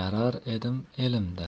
yayrar edim elimda